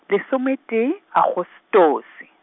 lesometee Agostose.